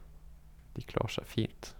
De klarer seg fint.